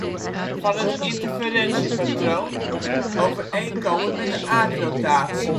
van het interferentiepatroon overeenkomend met de aardrotatie